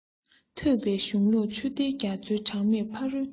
ཐོས པའི གཞུང ལུགས ཆུ གཏེར རྒྱ མཚོའི གྲངས མེད ཕ རོལ མཐའ རུ སོན